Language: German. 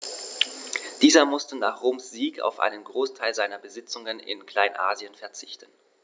Dieser musste nach Roms Sieg auf einen Großteil seiner Besitzungen in Kleinasien verzichten.